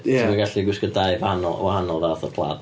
Ie ti'm yn gallu gwisgo dau rhan- wahanol fath o plàd.